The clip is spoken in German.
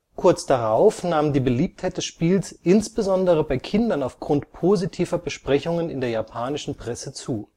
Kurz darauf nahm die Beliebtheit des Spiels insbesondere bei Kindern aufgrund positiver Besprechungen in der japanischen Presse zu